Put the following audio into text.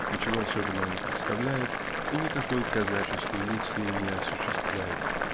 ничего особенного не представляет и никакой казаческой миссии не осуществляет.